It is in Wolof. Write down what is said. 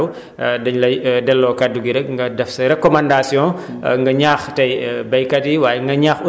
kon xam naa su ñu waxtaan bi mu ngi ñëw si cappaandaw dañ lay delloo kaddu gi rek nga def sa recommandation